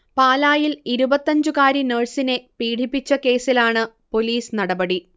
പാലായിൽ ഇരുപത്തഞ്ചുകാരി നഴ്സിനെ പീഡിപ്പിച്ച കേസിലാണ് പൊലീസ് നടപടി